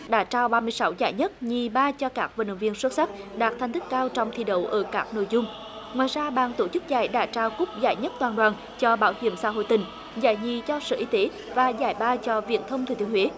đã trao ba mươi sáu giải nhất nhì ba cho các vận động viên xuất sắc đạt thành tích cao trong thi đấu ở các nội dung ngoài ra ban tổ chức giải đã trao cúp giải nhất toàn đoàn cho bảo hiểm xã hội tỉnh giải nhì cho sở y tế và giải ba cho viễn thông thừa thiên huế